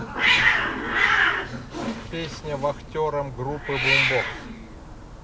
песня вахтерам группы бумбокс